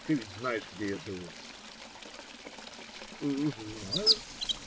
Ты ведь знаешь, где я живу? - Знаю-с.